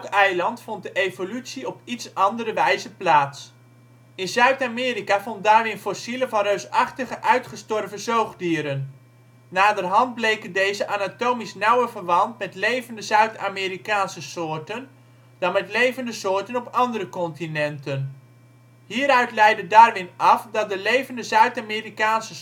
eiland vond de evolutie op iets andere wijze plaats. In Zuid-Amerika vond Darwin fossielen van reuzachtige uitgestorven zoogdieren. Naderhand bleken deze anatomisch nauwer verwant met levende Zuid-Amerikaanse soorten dan met levende soorten op andere continenten. Hieruit leidde Darwin af dat de levende Zuid-Amerikaanse